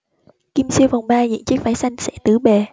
kim siêu vòng ba diện chiếc váy xanh xẻ tứ bề